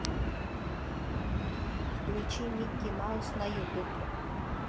включи микки маус на ютуб